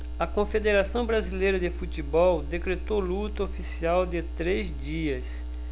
a confederação brasileira de futebol decretou luto oficial de três dias